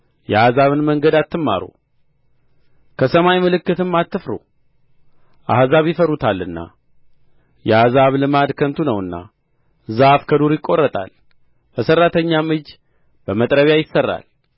የአሕዛብን መንገድ አትማሩ ከሰማይ ምልክትም አትፍሩ አሕዛብ ይፈሩታልና የአሕዛብ ልማድ ከንቱ ነውና ዛፍ ከዱር ይቈረጣል በሠራተኛም እንጅ በመጥረቢያ ይሠራል